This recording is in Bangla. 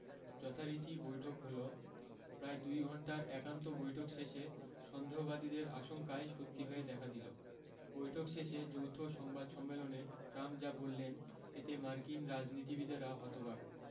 যথারীতি বৈঠক হলো প্রায় দুই ঘণ্টার একান্ত বৈঠক শেষে সন্দেহবাদীদের আশঙ্কাই সত্যি হয়ে দেখা দিল বৈঠক শেষে যৌথ সংবাদ সম্মেলনে ট্রাম্প যা বললেন এতে মার্কিন রাজনীতিবিদেরা হতবাক